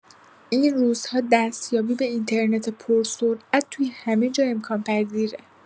این روزها دستیابی به اینترنت پرسرعت توی همه جا امکان‌پذیره.